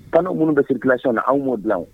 Ban minnu bɛ dilanlasiyna anw b'o dilan